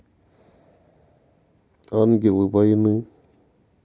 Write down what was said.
ангелы войны